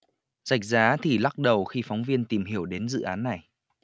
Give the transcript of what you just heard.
rạch giá thì lắc đầu khi phóng viên tìm hiểu đến dự án này